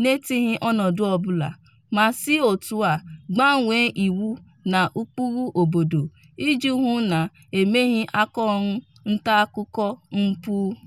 n'etighị ọnọdụ ọbụla, ma si otú a gbanwee iwu na ụkpụrụ obodo i ji hụ na emeghị akaọrụ ntaakụkọ mpụ.